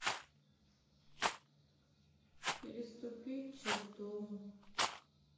переступить черту